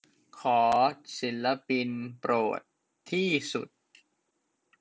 ขอศิลปินโปรดที่สุด